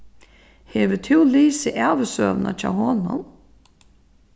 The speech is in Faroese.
hevur tú lisið ævisøguna hjá honum